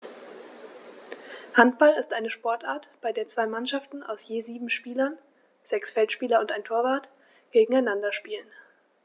Handball ist eine Sportart, bei der zwei Mannschaften aus je sieben Spielern (sechs Feldspieler und ein Torwart) gegeneinander spielen.